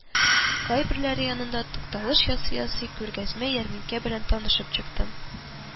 Кайберләре янында тукталыш ясый-ясый күргәзмә-ярминкә белән танышып чыктым